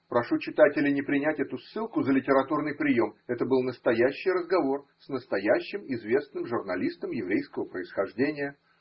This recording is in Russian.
Прошу читателя не принять эту ссылку за литературный прием: это был настоящий разговор с настоящим известным журналистом еврейского происхождения.